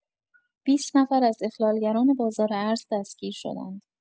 ۲۰ نفر از اخلال‌گران بازار ارز دستگیر شدند.